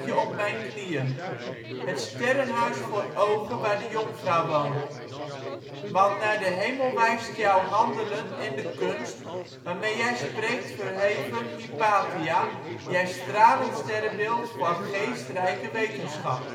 op mijn knieën, het sterrenhuis voor ogen, waar de jonkvrouw woont. Want naar de hemel wijst jouw handelen en de kunst waarmee jij spreekt, verheven Hypatia, jij stralend sterrenbeeld van geestrijke wetenschap